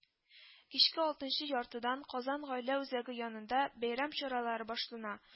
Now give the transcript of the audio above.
Кичке алтынчы яртыдан Казан гаилә үзәге янында бәйрәм чаралары башлана